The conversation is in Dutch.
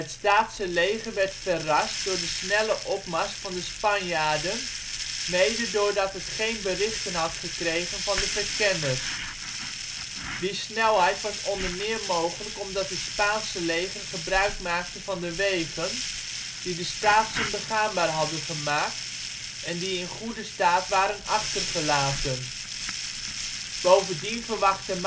Staatse leger werd verrast door de snelle opmars van de Spanjaarden, mede doordat het geen berichten had gekregen van de verkenners. Die snelheid was onder meer mogelijk omdat het Spaanse leger gebruik maakte van de wegen die de Staatsen begaanbaar hadden gemaakt en die in goede staat waren achtergelaten. Bovendien verwachtte